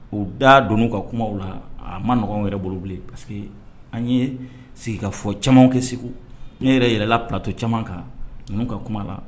U da don ka kuma la a ma nɔgɔ yɛrɛ bolo bilen parce que an ye sigika fɔ camanw kɛ segu n yɛrɛ yɛrɛla platɔ caman kan ninnu ka kuma la